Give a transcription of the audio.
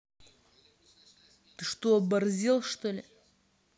ты что оборзел что ли